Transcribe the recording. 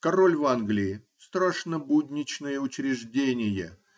Король в Англии -- страшно будничное учреждение.